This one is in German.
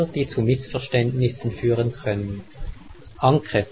die zu Missverständnissen führen können: Anke